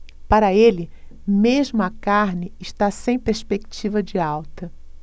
para ele mesmo a carne está sem perspectiva de alta